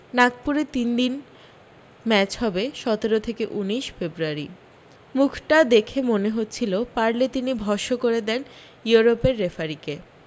নাগপুরে তিনদিনের ম্যাচ হবে সতেরো থেকে উনিশ ফেব্রুয়ারি মুখটা দেখে মনে হচ্ছিল পারলে তিনি ভসম করে দেন ইউরোপের রেফারিকে